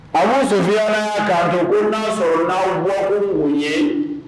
A ma musoya' dugudaso ga mun ye